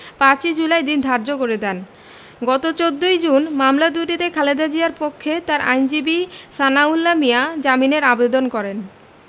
৫ July দিন ধার্য করে দেন গত ১৪ জুন মামলা দুটিতে খালেদা জিয়ার পক্ষে তার আইনজীবী সানাউল্লাহ মিয়া জামিনের আবেদন করেন